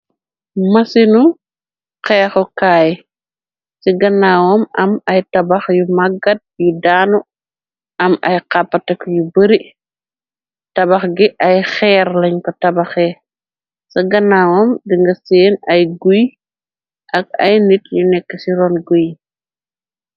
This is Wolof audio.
Masinu xeexukaay, ci ganaawam am ay tabax yu maggat yi daanu, am ay xapatak yu bari, tabax gi ay xeer lañ ko tabaxe, si ganaawam di nga seen ay guy ak ay nit yu nekk ci ron guy.